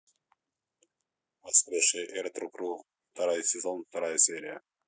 воскресший эртугрул второй сезон вторая серия